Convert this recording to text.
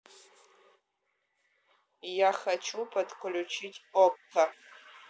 я хочу подключить окко